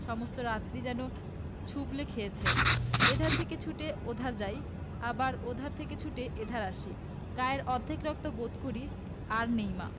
সমস্ত রাত্রি যেন ছুবলে খেয়েছে এধার থেকে ছুটে ওধার যাই আবার ওধার থেকে ছুটে এধারে আসি গায়ের অর্ধেক রক্ত বোধ করি আর নেই মা